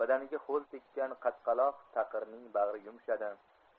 badaniga ho'l tekkan qatqaloq taqiming bag'ri yumshadi